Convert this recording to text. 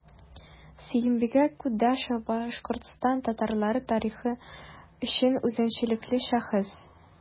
Сөембикә Кудашева – Башкортстан татарлары тарихы өчен үзенчәлекле шәхес.